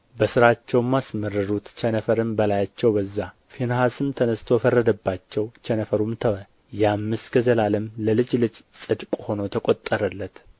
በሥራቸውም አስመረሩት ቸነፈርም በላያቸው በዛ ፊንሐስም ተነሥቶ ፈረደባቸው ቸነፈሩም ተወ ያም እስከ ዘላለም ለልጅ ልጅ ጽድቅ ሆኖ ተቈጠረለት